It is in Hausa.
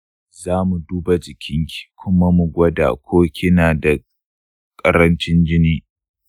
za mu duba ganinki kuma mu gwada ko kina da ƙarancin jini.